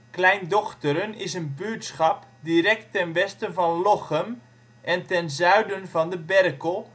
Klein Dochteren is een buurtschap direct ten westen van Lochem en ten zuiden van de Berkel